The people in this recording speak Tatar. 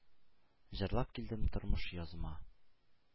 Җырлап килдем тормыш языма.